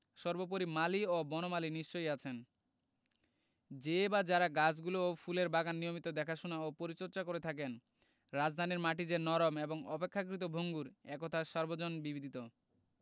সর্বোপরি মালি ও বনমালী নিশ্চয়ই আছেন যে বা যারা গাছগুলো ও ফুলের বাগান নিয়মিত দেখাশোনা ও পরিচর্যা করে থাকেন রাজধানীর মাটি যে নরম এবং অপেক্ষাকৃত ভঙ্গুর এ কথা সর্বজনবিদিত